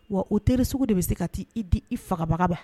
Waa o teri sugu de bɛ se ka t'i i di i fagabaga ma